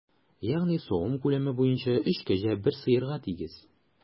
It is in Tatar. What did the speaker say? Ягъни савым күләме буенча өч кәҗә бер сыерга тигез.